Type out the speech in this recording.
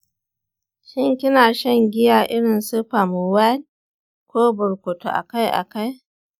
shin kina shan giya irin su palm wine ko burukutu akai-akai?